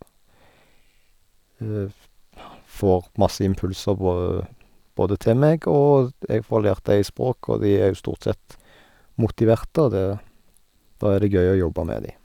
Får masse impulser båe både til meg, og jeg får lært de språk, og de er jo stort sett motiverte, og det da er det gøy å jobbe med de.